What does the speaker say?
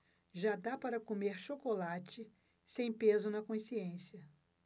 já dá para comer chocolate sem peso na consciência